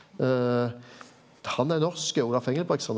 han er norsk Olav Engelbrektsson.